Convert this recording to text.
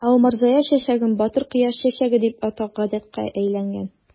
Ә умырзая чәчәген "батыр кояш чәчәге" дип атау гадәткә әйләнгән.